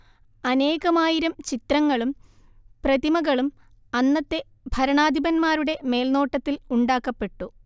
അനേകമായിരം ചിത്രങ്ങളും പ്രതിമകളും അന്നത്തെ ഭരണാധിപന്മാരുടെ മേൽനോട്ടത്തിൽ ഉണ്ടാക്കപ്പെട്ടു